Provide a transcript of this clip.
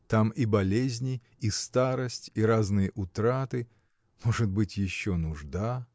Там и болезни, и старость, и разные утраты, может быть еще нужда.